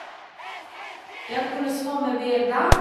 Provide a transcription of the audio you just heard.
Jeg kunne svømme hver dag.